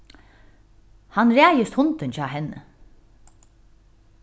hann ræðist hundin hjá henni